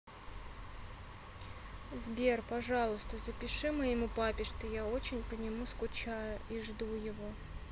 сбер пожалуйста запиши моему папе что я очень по нему скучаю и жду его